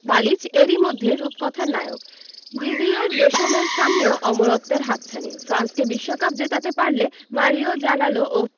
Dalic এরই মধ্যে রূপকথার নায়ক দিদিয়ের দেশমের সামনেও অমরত্বের হাতছানি ফ্রান্সকে বিশ্বকাপ জেতাতে পারলে মারিও জাগালো ও